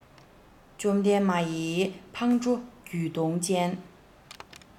བཅོམ ལྡན མ ཡི ཕང འགྲོ རྒྱུད སྟོང ཅན